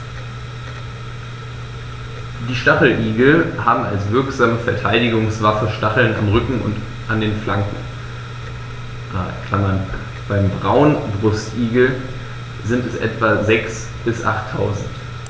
Die Stacheligel haben als wirksame Verteidigungswaffe Stacheln am Rücken und an den Flanken (beim Braunbrustigel sind es etwa sechs- bis achttausend).